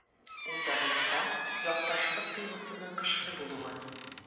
Ул да булса— якташлык тойгысының көчле булуы.